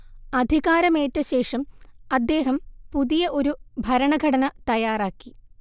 അധികാരമേറ്റശേഷം അദ്ദേഹം പുതിയ ഒരു ഭരണഘടന തയ്യാറാക്കി